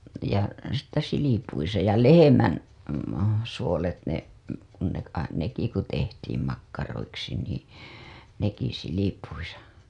ja sitten silpuissa ja lehmän suolet ne kun ne - nekin kun tehtiin makkaroiksi niin nekin silpuissa